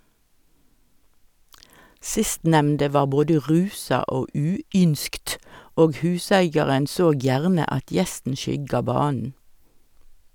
Sistnemnde var både rusa og uynskt, og huseigaren såg gjerne at gjesten skygga banen.